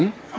Kum ?